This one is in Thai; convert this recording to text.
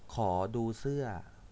ขอดูเสื้อ